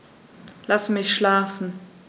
Lass mich schlafen